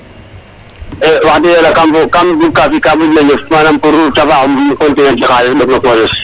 wax deg yala kaam, kaam fi'ka ka moƴna ñof manaam duuf ta faax um continuer jeg xaalises ɓek no poses.